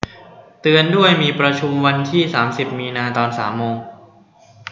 เตือนด้วยมีประชุมวันที่สามสิบมีนาตอนสามโมง